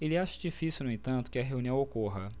ele acha difícil no entanto que a reunião ocorra